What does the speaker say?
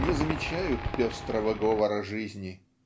не замечают пестрого говора жизни.